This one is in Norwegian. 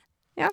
Ja.